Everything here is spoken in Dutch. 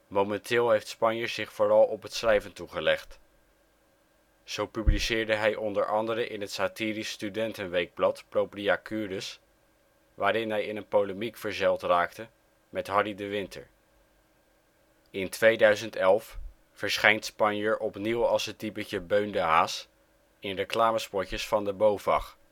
Momenteel heeft Spanjer zich vooral op het schrijven toegelegd. Zo publiceerde hij onder andere in het satirisch studentenweekblad Propria Cures, waarin hij in een polemiek verzeild raakte met Harry de Winter. In 2011 verschijnt Spanjer opnieuw als het typetje Beun de Haas in reclamespotjes van de BOVAG